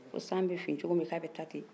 ko san bɛ fin cogomi ko a bɛ taa ten